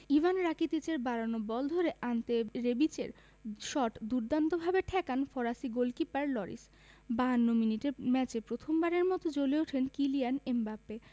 Ivan রাকিতিচের বাড়ানো বল ধরে আন্তে রেবিচের শট দুর্দান্তভাবে ঠেকান ফরাসি গোলকিপার লরিস ৫২ মিনিটে ম্যাচে প্রথমবারের মতো জ্বলে উঠেন কিলিয়ান এমবাপ্পে